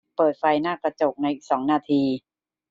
เปิดไฟหน้ากระจกในอีกสองนาที